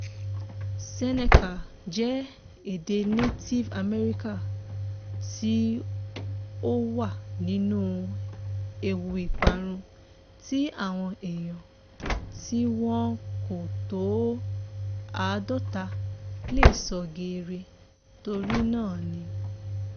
Seneca jẹ́ èdè Native America tí ó wà nínú ewu ìparun tí àwọn èèyàn tí wọ́n kò tó 50 lè sọ geere, torí náà ni